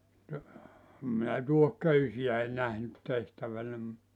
että olen minä tuohiköysiä nähnyt tehtävänä mutta